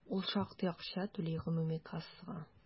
Ул шактый акча түли гомуми кассага.